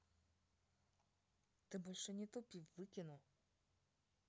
ты больше не тупи выкину